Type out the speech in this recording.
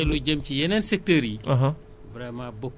agriculture élevage pêche